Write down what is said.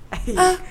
Ayi